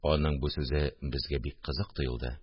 Аның бу сүзе безгә бик кызык тоелды